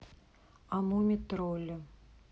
а муми тролли